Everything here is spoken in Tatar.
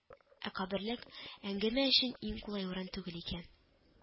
Ә каберлек әңгәмә өчен иң кулай урын түгел икән